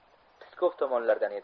pskov tomonlardan edi